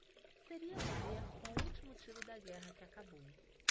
seria morrer com o último tiro da guerra que acabou